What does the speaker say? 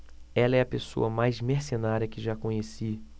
ela é a pessoa mais mercenária que já conheci